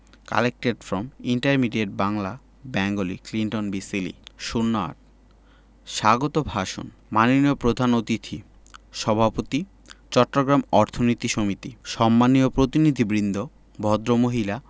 collected from intermediate Bangla Bengali Clinton B সিলি ০৮ স্বাগত ভাষণ মাননীয় প্রধান অতিথি সভাপতি চট্টগ্রাম অর্থনীতি সমিতি সম্মানীয় প্রতিনিধিবৃন্দ ভদ্রমহিলা